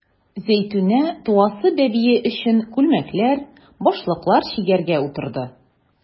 Зәйтүнә туасы бәбие өчен күлмәкләр, башлыклар чигәргә утырды.